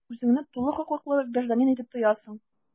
Үзеңне тулы хокуклы гражданин итеп тоясың.